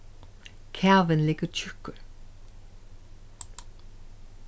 kavin liggur tjúkkur